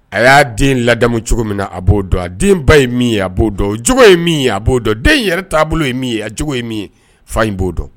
A y'a den ladamu cogo min na a b'o dɔn a denba ye min ye a b'o dɔn j ye min ye a b'o dɔn den yɛrɛ taabolo ye min ye a cogo ye ye fa in b'o dɔn